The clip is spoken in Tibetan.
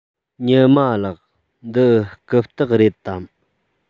ཉི མ ལགས འདི རྐུབ སྟེགས རེད དམ